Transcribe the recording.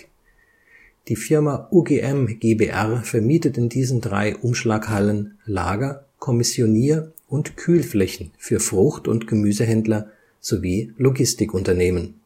Die Firma UGM GbR vermietet in den drei Umschlaghallen (I, II und III) Lager -, Kommissionier - und Kühlflächen für Frucht - und Gemüsehändler sowie Logistikunternehmen